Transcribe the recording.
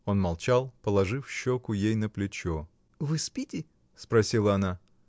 Он молчал, положил щеку ей на плечо. — Вы спите? — спросила она.